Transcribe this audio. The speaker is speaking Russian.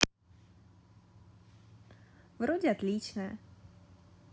вроде отличная